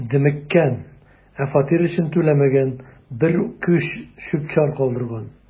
„дөмеккән, ә фатир өчен түләмәгән, бер күч чүп-чар калдырган“.